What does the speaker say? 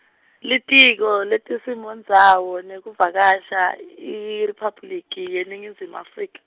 Litiko leTesimondzawo nekuVakasha, IRiphabliki, yeNingizimu Afrika.